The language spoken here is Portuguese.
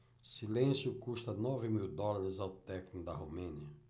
silêncio custa nove mil dólares ao técnico da romênia